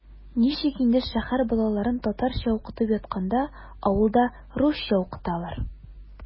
Ничек инде шәһәр балаларын татарча укытып ятканда авылда русча укыталар?!